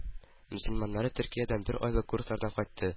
Мөселманнары төркиядән бер айлык курслардан кайтты